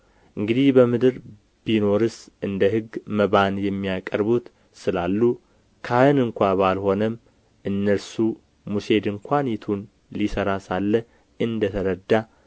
እንግዲህ በምድር ቢኖርስ እንደ ሕግ መባን የሚያቀርቡት ስላሉ ካህን እንኳ ባልሆነም እነርሱም ሙሴ ድንኳኒቱን ሊሠራ ሳለ እንደ ተረዳ